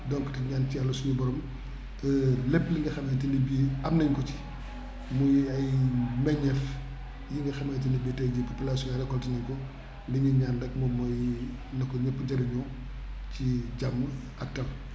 donc di ñaan ci Yàlla suñu boroom lépp li nga xamante ni bii am nañ ko ci muy ay meññeef yi nga xamante ne bii tay jii villageois yi récolté nañu ko li ñuy ñaan rekk moom mooy na ko ñépp jëriñu ci jàmm ak tal